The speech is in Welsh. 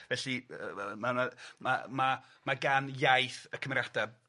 Felly yy ma- ma' 'na ma' ma' ma' gan iaith y cymariada